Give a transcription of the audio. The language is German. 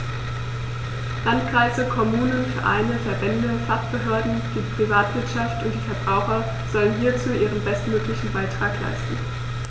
Landkreise, Kommunen, Vereine, Verbände, Fachbehörden, die Privatwirtschaft und die Verbraucher sollen hierzu ihren bestmöglichen Beitrag leisten.